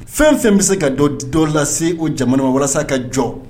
Fɛn fɛn bɛ se ka dɔ dɔ lase se o jamana ma walasa ka jɔ